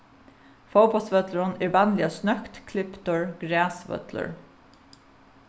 fótbóltsvøllurin er vanliga snøgt kliptur grasvøllur